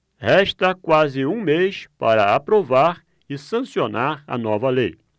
resta quase um mês para aprovar e sancionar a nova lei